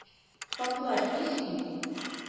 Фактлар ни сөйли?